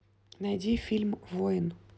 найди фильм воин